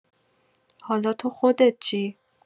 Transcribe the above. حالا تو خودت چی؟